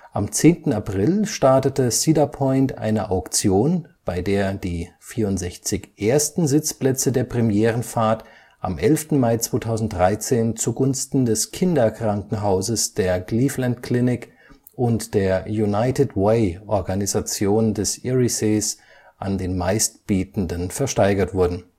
Am 10. April startete Cedar Point eine Auktion, bei der die 64 ersten Sitzplätze der Premierenfahrt am 11. Mai 2013 zugunsten des Kinderkrankenhauses der Cleveland Clinic und der United Way-Organisation des Eriesees an die Meistbietenden versteigert wurden